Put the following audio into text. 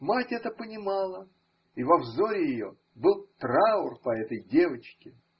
Мать это понимала, и во взоре ее был траур по этой девочке.